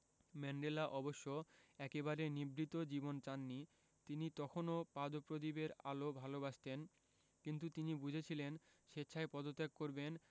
Mandela অবশ্য একেবারে নিভৃত জীবন চাননি তিনি তখনো পাদপ্রদীপের আলো ভালোবাসতেন কিন্তু তিনি বুঝেছিলেন স্বেচ্ছায় পদত্যাগ করবেন